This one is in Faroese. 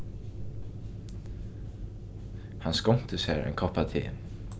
hann skonkti sær enn ein kopp av te